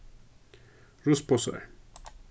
ruskposar